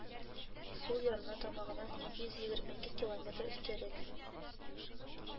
Сул ярына тамагыннан ике йөз егерме ике километр өстәрәк